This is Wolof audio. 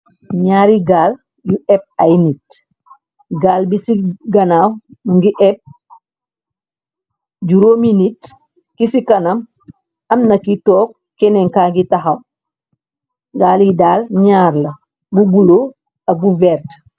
Ñaari gaal yu épp ay nit, gaal bi ci ganaw mu ngi épp juróomi nit, ki ci kanam am na ki toog kenen ka gi tahaw. Gaal yi daal ñaar la bulo ak bu vert.